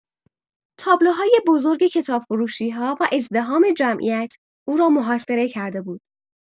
تابلوهای بزرگ کتاب‌فروشی‌ها و ازدحام جمعیت او را محاصره کرده بود.